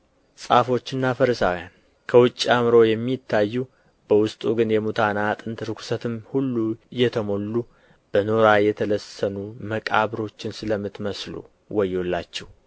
ጻፎችና ፈሪሳውያን በውጭ አምረው የሚታዩ በውስጡ ግን የሙታን አጥንት ርኩሰትም ሁሉ የተሞሉ በኖራ የተለሰኑ መቃብሮችን ስለምትመስሉ ወዮላችሁ